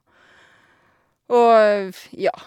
Og, ja.